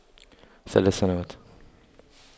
ثلاث سنوات